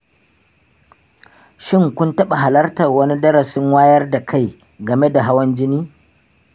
shi kun taɓa halartar wani darasin wayar da kai game da hawan-jini?